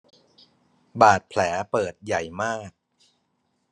บาดแผลเปิดใหญ่มาก